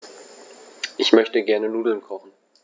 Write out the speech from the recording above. Ich möchte gerne Nudeln kochen.